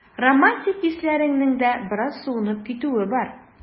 Романтик хисләреңнең дә бераз суынып китүе бар.